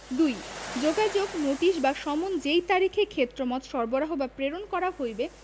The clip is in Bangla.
২ যোগাযোগ নোটিশ বা সমন যেই তারিখে ক্ষেত্রমত সরবরাহ বা প্রেরণ করা হইবে